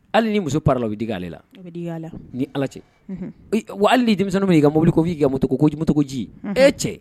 Hali ni muso para la bɛ di'ale la ni ala cɛ wa hali ni denmisɛn b y' ka mobili k ko f'i ko nci e cɛ